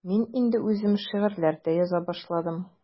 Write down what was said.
Мин инде үзем шигырьләр дә яза башладым.